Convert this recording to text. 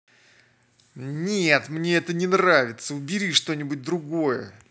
нет мне это не нравится убери что нибудь другое